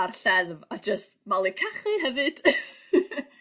a'r lleddf a jyst malu cachu hefyd.